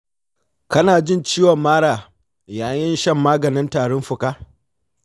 kana jin ciwon mara yayin shan maganin tarin fuka?